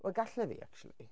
Wel galle fi actually.